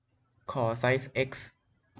ขอไซส์เอ็กซ์